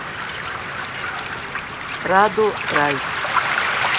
раду рай